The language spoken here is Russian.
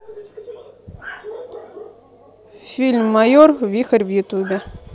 фильм майор вихрь в ютубе